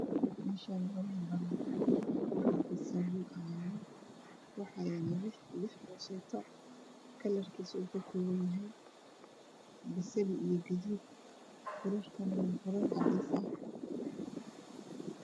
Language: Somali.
Meshani waa mel banan wax fidsan roog cagaran waxaan yalo rooseto kalarkiisa uu ka koban yahy bazali iyo gadud furar kane waa furar cadees ah